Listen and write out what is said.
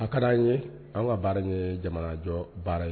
A ka d'an ye an ka baara ka baara ka kɛ jamanajɔ baara ye.